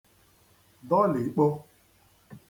dọlìkpo